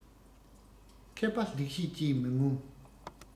མཁས པ ལེགས བཤད ཀྱིས མི ངོམས